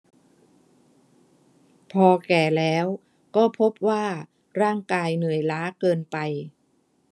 พอแก่แล้วก็พบว่าร่างกายเหนื่อยล้าเกินไป